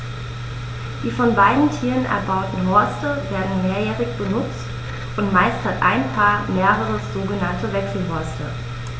Die von beiden Tieren erbauten Horste werden mehrjährig benutzt, und meist hat ein Paar mehrere sogenannte Wechselhorste.